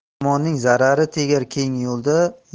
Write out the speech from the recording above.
yomonning zarari tegar keng yo'lda